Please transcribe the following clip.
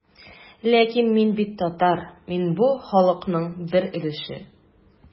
Ләкин мин бит татар, мин бу халыкның бер өлеше.